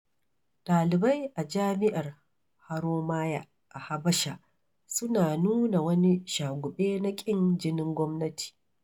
ɗalibai a jami'ar Haromaya a Habasha suna nuna wani shaguɓe na ƙin jinin gwamnati.